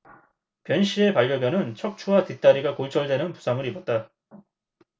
변씨의 반려견은 척추와 뒷다리가 골절되는 부상을 입었다